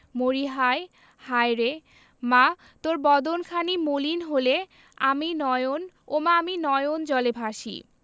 মরিহায় হায়রে মা তোর বদন খানি মলিন হলে আমি নয়ন ওমা আমি নয়ন জলে ভাসি